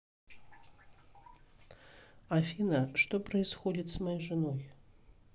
афина что происходит с моей женой